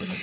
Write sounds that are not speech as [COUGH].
[HESITATION] [HESITATION]